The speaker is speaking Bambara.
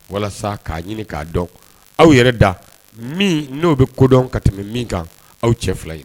Walasa k'a ɲini k'a dɔn aw yɛrɛ da min n'o be kodɔn ka tɛmɛ min kan aw cɛ 2 in